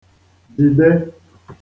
jìde